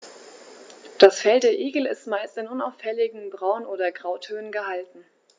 Das Fell der Igel ist meist in unauffälligen Braun- oder Grautönen gehalten.